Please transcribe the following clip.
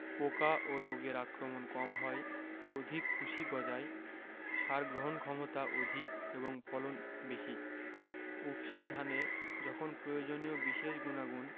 পোকা ও রোগের আক্রমণ কম হয় অধিক কুশি গজায় সার গ্রহণক্ষমতা অধিক এবং ফলন বেশি উফশী ধানে যখন প্রয়োজনীয় বিশেষ গুনাগুণ